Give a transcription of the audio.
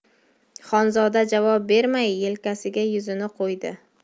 xonzoda javob bermay yelkasiga yuzini qo'ydi